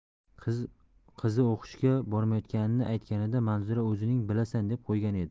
qizi o'qishga bormayotganini aytganida manzura o'zing bilasan deb qo'ygan edi